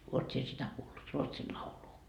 olet sinä sitä kuullut Ruotsin laulua